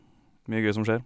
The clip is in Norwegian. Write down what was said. Mye gøy som skjer.